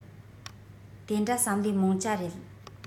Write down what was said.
དེ འདྲ བསམ ལེ མོང ཅ རེད